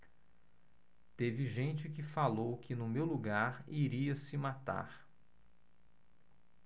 teve gente que falou que no meu lugar iria se matar